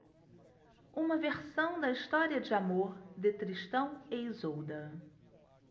uma versão da história de amor de tristão e isolda